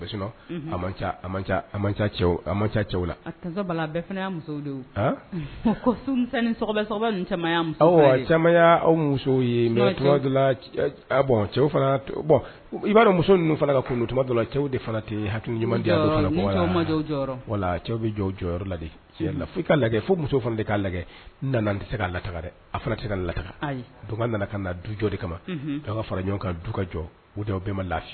Musow bɔn cɛw i'a dɔn muso ninnu fana ka kun dɔ la cɛw de fana tɛ ha ɲuman cɛw la ka lajɛ fo muso fana' lajɛ nana tɛ se'a laga a fana tɛ se ka la nana ka na du jɔ de kama ka fara ɲɔgɔn ka du ka jɔ bɛɛ ma lafi